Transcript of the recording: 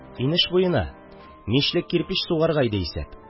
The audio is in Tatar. – инеш буена. мичлек кирпеч сугарга иде исәп.